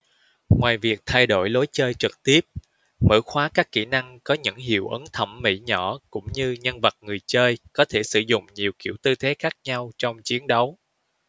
ngoài việc thay đổi lối chơi trực tiếp mở khóa các kỹ năng có những hiệu ứng thẩm mỹ nhỏ cũng như nhân vật người chơi có thể sử dụng nhiều kiểu tư thế khác nhau trong chiến đấu